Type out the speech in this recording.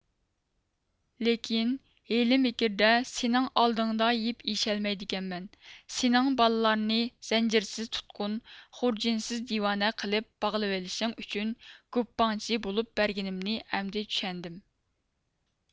لېكىن ھىيلە مىكىردە سېنىڭ ئالدىڭدا يىپ ئېشەلمەيدىكەنمەن سېنىڭ بالىلارنى زەنجىرسىز تۇتقۇن خۇرجۇنسىز دىۋانە قىلىپ باغلىۋېلىشىڭ ئۈچۈن گۇپپاڭچى بولۇپ بەرگىنىمنى ئەمدى چۈشەندىم